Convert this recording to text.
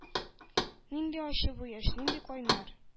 Нинди ачы бу яшь, нинди кайнар!..